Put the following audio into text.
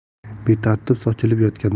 betartib sochilib yotgan